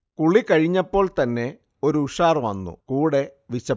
കുളി കഴിഞ്ഞപ്പോൾത്തന്നെ ഒരു ഉഷാർ വന്നു കൂടെ വിശപ്പും